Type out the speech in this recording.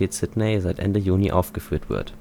Sydney seit Ende Juni aufgeführt wird